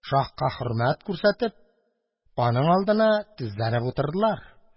Шаһка хөрмәт күрсәтеп, аның алдына тезләнеп утырдылар.